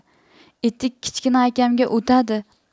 etik kichkina akamga o'tadi